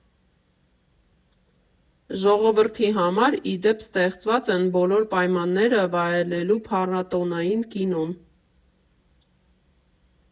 Ժողովրդի համար, ի դեպ, ստեղծված են բոլոր պայմանները վայելելու փառատոնային կինոն։